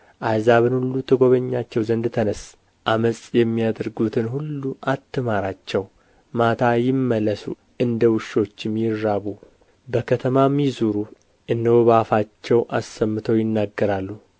አሕዛብን ሁሉ ትጐበኛቸው ዘንድ ተነሥ ዓመፅ የሚያደርጉትን ሁሉ አትማራቸው ማታ ይመለሱ እንደ ውሾችም ይራቡ በከተማም ይዙሩ እነሆ በአፋቸው አሰምተው ይናገራሉ